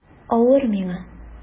Авыр миңа...